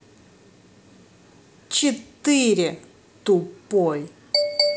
четыре тупой